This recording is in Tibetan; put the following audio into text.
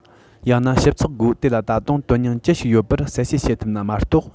ཡང ན ཞིབ ཚགས སྒོས དེ ལ ད དུང དོན སྙིང ཅི ཞིག ཡོད པར གསལ བཤད བྱེད ཐུབ ན མ གཏོགས